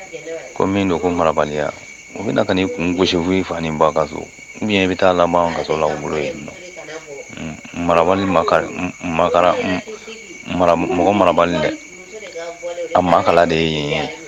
Ko min don ko marabaliya, u bɛna ka ni kun gosi, f'i fa ni ba ka so, oubien i bɛ taa laban kaso la u bolo yen, marabali makala mɔgɔ marabali dɛ, a makala de ye yen.